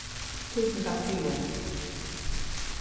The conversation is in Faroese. túsund takk fyri